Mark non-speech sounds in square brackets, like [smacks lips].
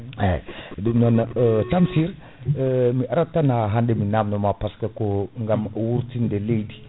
eyyi [smacks lips] ɗum non [hesitation] Tamsir [hesitation] mi arat tan ha hande mi namdoma par ce :que gam wurtinde leydi